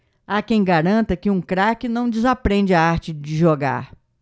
há quem garanta que um craque não desaprende a arte de jogar